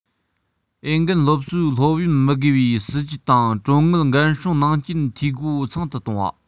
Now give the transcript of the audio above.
འོས འགན སློབ གསོའི སློབ ཡོན མི དགོས པའི སྲིད ཇུས དང གྲོན དངུལ འགན སྲུང ནང རྐྱེན འཐུས སྒོ ཚང དུ གཏོང བ